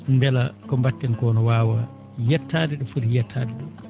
mbela ko mbatten ko no waawa yettaade ?o foti yettaade ?oo